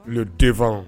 N denfaw